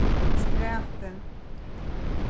strætið